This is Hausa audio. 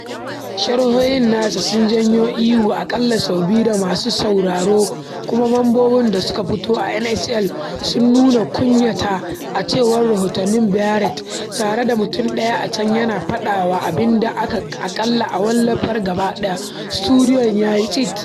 Sharhohin nasa sun janyo ihu aƙalla sau biyu da masu sauraro kuma mambobin da suka fito a SNL sun nuna kunyata, a cewar rahoton Variety, tare da mutum ɗaya a can yana faɗa wa abin da aka wallafar: Gaba ɗaya sutudiyon ya yi tsit."